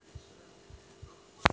детские мультики для малышей